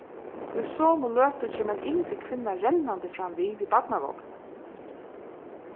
í somu løtu kemur ein yngri kvinna rennandi framvið við barnavogni